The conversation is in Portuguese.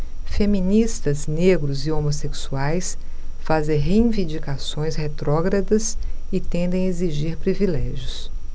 feministas negros e homossexuais fazem reivindicações retrógradas e tendem a exigir privilégios